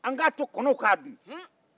an ka to kɔnɔw ka dun